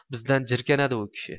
bizdan jirkanadi u kishi